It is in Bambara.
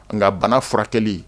Nka bana furakɛ li